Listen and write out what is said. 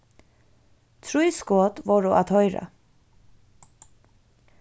trý skot vóru at hoyra